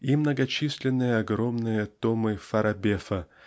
и многочисленные огромные томы Фарабефа